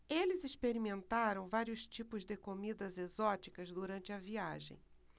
eles experimentaram vários tipos de comidas exóticas durante a viagem